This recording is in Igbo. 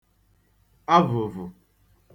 avụ̀vụ̀